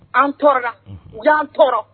An tɔɔrɔ u y'an tɔɔrɔ